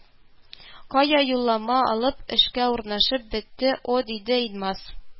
Кая юллама алып, эшкә урнашып бетте, ó диде идмас